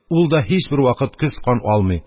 Ул да һичбер вакыт көз кан алмый,